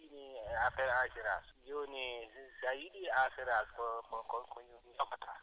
si affaire assurance